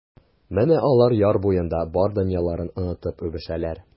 Менә алар яр буенда бар дөньяларын онытып үбешәләр.